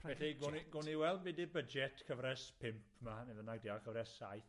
Felly, gown ni gown ni weld be 'di budget cyfres pump 'ma, neu fynnag 'di o cyfres saith.